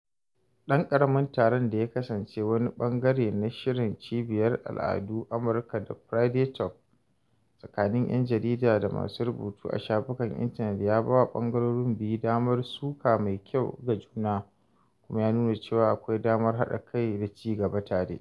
Ɗan ƙaramin taron da ya kasance wani ɓangare na shirin Cibiyar Al'adu ta Amurka na “Friday Talk”, tsakanin ‘yan jarida da masu rubutu a shafukan intanet ya bawa ɓangarorin biyu damar suka mai kyau ga juna, kuma ya nuna cewa akwai damar haɗa kai da ci gaba tare.